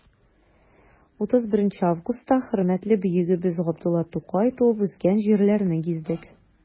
31 августта хөрмәтле бөегебез габдулла тукай туып үскән җирләрне гиздек.